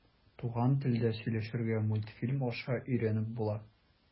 Туган телдә сөйләшергә мультфильм аша өйрәтеп була.